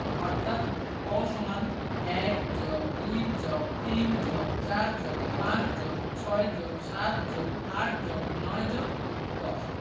অর্থাৎ ক = ১+২+৩+৪+৫+৬+৭+৮+৯+১০